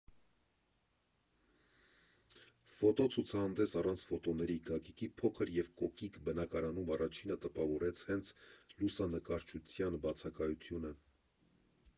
Ֆոտո ցուցահանդես առանց ֆոտոների Գագիկի փոքր և կոկիկ բնակարանում առաջինը տպավորեց հենց լուսանկարչության բացակայությունը։